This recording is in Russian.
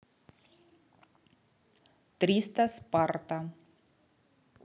триста спарта